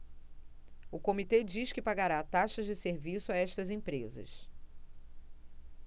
o comitê diz que pagará taxas de serviço a estas empresas